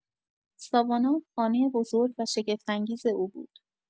ساوانا خانه بزرگ و شگفت‌انگیز او بود.